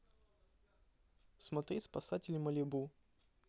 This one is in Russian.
смотреть спасатели малибу